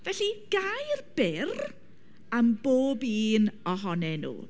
Felly, gair byr am bob un ohonyn nhw.